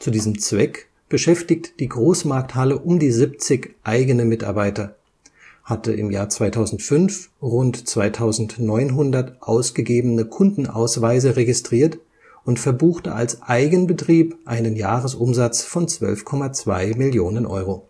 diesem Zweck beschäftigt die Großmarkthalle um die 70 eigene Mitarbeiter, hatte 2005 rund 2.900 ausgegebene Kundenausweise registriert und verbuchte als Eigenbetrieb einen Jahresumsatz von 12,2 Millionen Euro